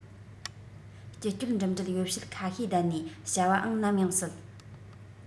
སྤྱི སྤྱོད འགྲིམ འགྲུལ ཡོ བྱད ཁ ཤས བསྡད ནས བྱ བའང ནམ ཡང སྲིད